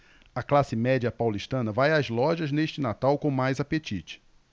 a classe média paulistana vai às lojas neste natal com mais apetite